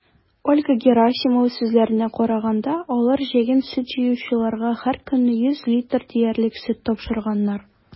Ольга Герасимова сүзләренә караганда, алар җәен сөт җыючыларга һәркөнне 100 литр диярлек сөт тапшырганнар.